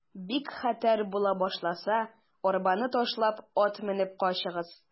Бик хәтәр була башласа, арбаны ташлап, ат менеп качыгыз.